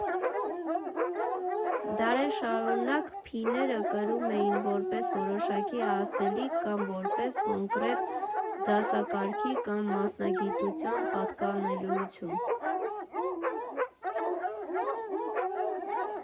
Դարեր շարունակ փիները կրում էին որպես որոշակի ասելիք կամ որպես կոնկրետ դասակարգի կամ մասնագիտության պատկանելություն։